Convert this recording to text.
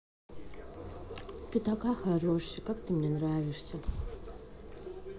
ты такая хорошая как ты мне нравишься